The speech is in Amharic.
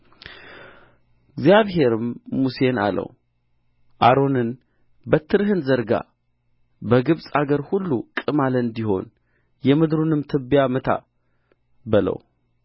እግዚአብሔርም ሙሴን አለው አሮንን በትርህን ዘርጋ በግብፅም አገር ሁሉ ቅማል እንዲሆን የምድሩን ትቢያ ምታ በለው